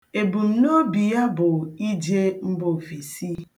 Ebumnobi ya bụ ije mba ofesi.